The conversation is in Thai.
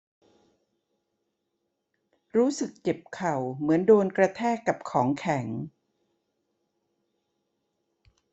รู้สึกเจ็บเข่าเหมือนโดนกระแทกกับของแข็ง